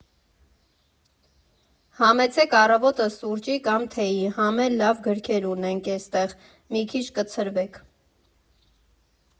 Համեցեք առավոտը սուրճի կամ թեյի, համ էլ լավ գրքեր ունենք էստեղ, մի քիչ կցրվեք։